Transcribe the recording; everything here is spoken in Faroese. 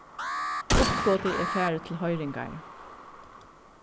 uppskotið er farið til hoyringar